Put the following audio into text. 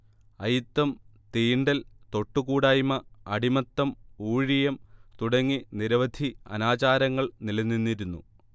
അയിത്തം തീണ്ടൽ തൊട്ടുകൂടായ്മ അടിമത്തം ഊഴിയം തുടങ്ങി നിരവധി അനാചാരങ്ങൾ നിലനിന്നിരുന്നു